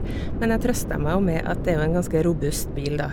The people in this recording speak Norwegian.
Men jeg trøster meg jo med at det er jo en ganske robust bil, da.